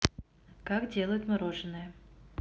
как делают мороженое